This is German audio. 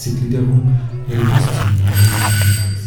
Gliederung wurde bis zum Jahre 1967